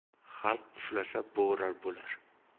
xalq puflasa bo'ron bo'lar